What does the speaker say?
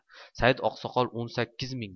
said oqsoqol o'n sakkiz ming